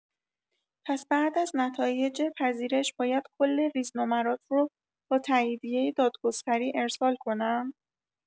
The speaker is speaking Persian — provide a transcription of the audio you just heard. پس بعد از نتایج پذیرش باید کل ریزنمرات رو با تاییدیه دادگستری ارسال کنم؟